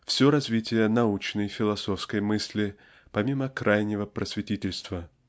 все развитие научной и философской мысли помимо крайнего просветительства.